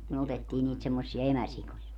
me otettiin niitä semmoisia emäsikoja